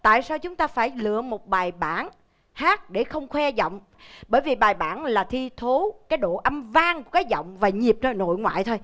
tại sao chúng ta phải lựa một bài bản hát để không khoe giọng bởi vì bài bản là thi thố cái độ âm vang của cái giọng và nhịp ra nội ngoại thôi